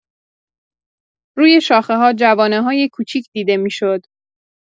روی شاخه‌ها جوانه‌های کوچیک دیده می‌شد.